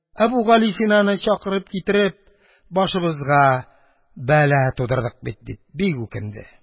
Әбүгалисинаны чакырып китереп, башыбызга бәла тудырдык бит!» – дип, бик үкенде.